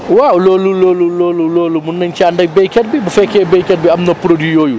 waaw loolu loolu loolu loolu mën nañ ci ànd ak béykat bi bu fekkee béykat bi am na produits yooyu